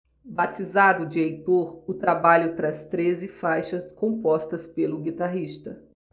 batizado de heitor o trabalho traz treze faixas compostas pelo guitarrista